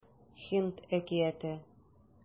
Һинд әкияте